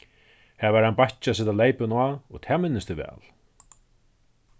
har var ein bakki at seta leypin á og tað minnist eg væl